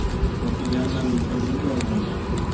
o'qiganman desam nega yolg'on bo'ladi